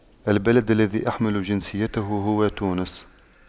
البلد الذي أحمل جنسيته هو تونس